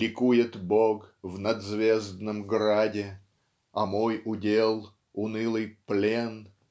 Ликует Бог в надзвездном граде, А мой удел -- унылый плен.